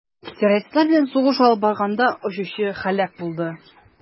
Террористлар белән сугыш алып барганда очучы һәлак булды.